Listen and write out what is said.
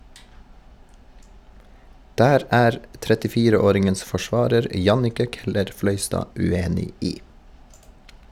Der er 34-åringens forsvarer Jannicke Keller-Fløystad uenig i.